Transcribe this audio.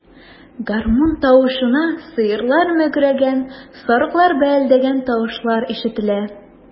Гармун тавышына сыерлар мөгрәгән, сарыклар бәэлдәгән тавышлар кушыла.